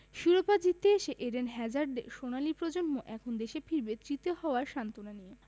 শিরোপা জিততে এসে এডেন হ্যাজার্ডদের সোনালি প্রজন্ম এখন দেশে ফিরবে তৃতীয় হওয়ার সান্ত্বনা নিয়ে